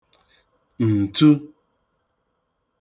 ǹtu